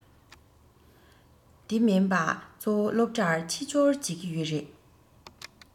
དེ མིན པ གཙོ བོ སློབ གྲྭར ཕྱི འབྱོར བྱེད ཀྱི ཡོད རེད